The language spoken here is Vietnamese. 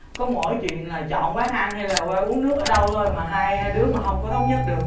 có mỗi chuyện là chọn quán ăn hay là qua uống nước ở đâu thôi mà hai hai đứa mà hông có thống nhất được